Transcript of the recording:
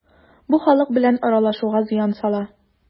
Бу халык белән аралашуга зыян сала.